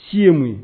Ci ye mun ye